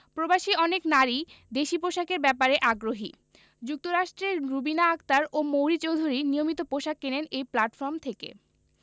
প্রবাসী অনেক নারীই দেশি পোশাকের ব্যাপারে আগ্রহী যুক্তরাষ্ট্রের রুবিনা আক্তার ও মৌরি চৌধুরী নিয়মিত পোশাক কেনেন এই প্ল্যাটফর্ম থেকে